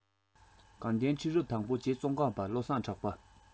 དགའ ལྡན ཁྲི རབས དང པོ རྗེ ཙོང ཁ པ བློ བཟང གྲགས པ